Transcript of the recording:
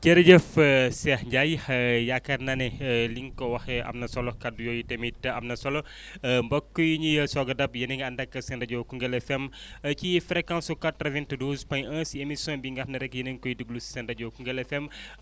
jërëjëf Cheikh Ndiaye yaakaar naa ne ni nga ko waxee am na solo kàddu yooy u tamit am na solo mbokk yi ñuy soog a dab yéen a ngi ànd ak seen rajo Koungheul FM ci fréquence su 92 point 1 si émission bi nga xam ne rek yéen a ngi koy déglu seen rajo Koungheul FM